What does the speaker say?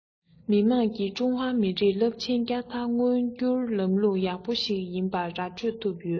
མི དམངས ཀྱིས ཀྲུང ཧྭ མི རིགས རླབས ཆེན བསྐྱར དར མངོན འགྱུར ལམ ལུགས ཡག པོ ཞིག ཡིན པ ར སྤྲོད ཐུབ ཡོད